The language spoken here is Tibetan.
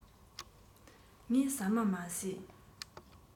ངས ཟ མ མ ཟོས